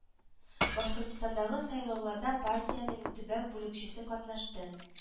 Башкортстандагы сайлауларда партиянең төбәк бүлекчәсе катнашты